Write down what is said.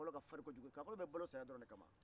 kakɔlɔ ka farin kojugu u bɛ balo saya dɔrɔn de kama